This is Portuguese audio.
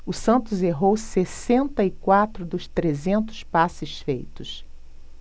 o santos errou sessenta e quatro dos trezentos passes feitos